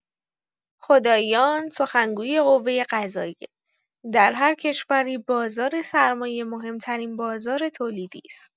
خداییان سخنگوی قوه‌قضاییه: در هرکشوری بازار سرمایه مهمترین بازار تولیدی است.